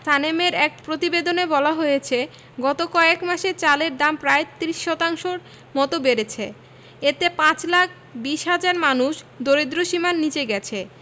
সানেমের এক প্রতিবেদনে বলা হয়েছে গত কয়েক মাসে চালের দাম প্রায় ৩০ শতাংশের মতো বেড়েছে এতে ৫ লাখ ২০ হাজার মানুষ দরিদ্র্যসীমার নিচে গেছে